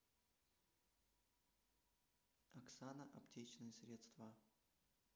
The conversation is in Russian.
оксана аптечные средства